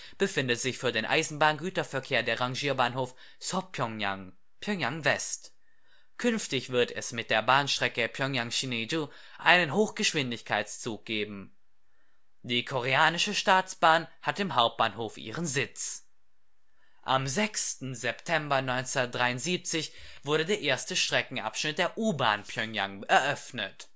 befindet sich für den Eisenbahngüterverkehr der Rangierbahnhof Sŏp'yŏngyang (Pjöngjang West). Künftig wird es mit der Bahnstrecke Pjöngjang – Sinŭiju einen Hochgeschwindigkeitszug geben. Die Koreanische Staatsbahn hat im Hauptbahnhof ihren Sitz. Metro Pjöngjang mit ehemaligen Berliner U-Bahn-Wagen Am 6. September 1973 wurde der erste Streckenabschnitt der U-Bahn Pjöngjang eröffnet